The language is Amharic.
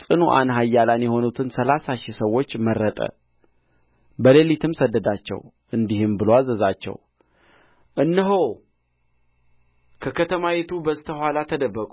ጽኑዓን ኃያላን የሆኑትን ሠላሳ ሺህ ሰዎች መረጠ በሌሊትም ሰደዳቸው እንዲህም ብሎ አዘዛቸው እነሆ ከከተማይቱ በስተ ኋላ ተደበቁ